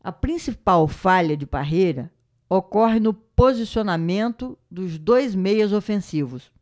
a principal falha de parreira ocorre no posicionamento dos dois meias ofensivos